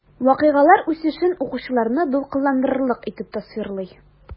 Вакыйгалар үсешен укучыларны дулкынландырырлык итеп тасвирлый.